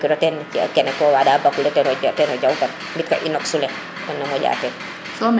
ga kiro teen ken ke wanda teno jaw tam mbita inoks le tena moƴa teen